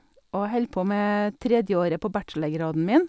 Og jeg held på med tredjeåret på bachelorgraden min.